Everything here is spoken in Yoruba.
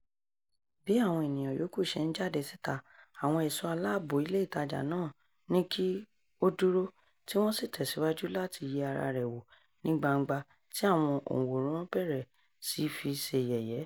Bí àwọn ènìyàn yòókù ṣe ń jáde síta, àwọn ẹ̀ṣọ́-aláàbò ilé ìtajà náà ní kí ó dúró tí wọ́n sì tẹ̀síwajú láti yẹ ara rẹ̀ wò ní gbangba tí àwọn òǹwòran bẹ̀rẹ̀ sí í fi ṣe yẹ̀yẹ́.